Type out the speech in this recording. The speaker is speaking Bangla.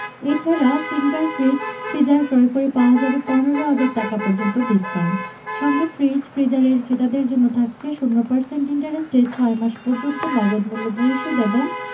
এ ছাড়া সিঙ্গার ফ্রিজ/ফ্রিজার ক্রয়ে পাওয়া যাবে ১৫ ০০০ টাকা পর্যন্ত ডিসকাউন্ট সঙ্গে ফ্রিজ ফ্রিজার এর ক্রেতাদের জন্য থাকছে ০% ইন্টারেস্টে ৬ মাস পর্যন্ত নগদ মূল্য পরিশোধ এবং